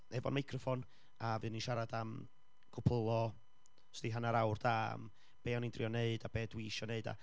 efo'r meicroffon, a fuon ni'n siarad am cwpl o sdi hanar awr da, am be o'n i'n drio wneud a be dwi isio wneud,